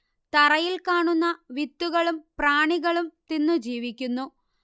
തറയിൽ കാണുന്ന വിത്തുകളും പ്രാണികളും തിന്നു ജീവിക്കുന്നു